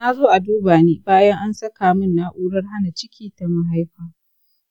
nazo a duba ni bayan an saka mun na'urar hana ciki ta mahaifa.